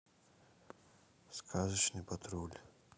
сказочный патруль